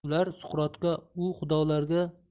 ular suqrotga u xudolarga